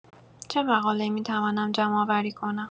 چه مقاله‌ای می‌توانم جمع‌آوری کنم.